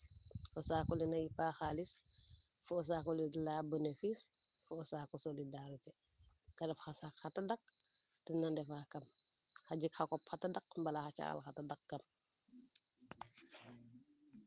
o saaku le na yipa xalis fo o saaku le de leya benefice fo o saaku solidarité te ref xa saaku xa tadak tena ndefa kam a jega xa kop xa tadaq mbala xa caabi xa tadak kam